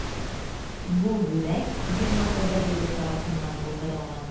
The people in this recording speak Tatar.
Бу бүләк Европа берлеге тарафыннан булдырылган.